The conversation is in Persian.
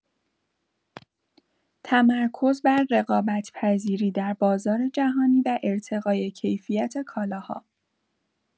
تمرکز بر رقابت‌پذیری در بازار جهانی و ارتقای کیفیت کالاها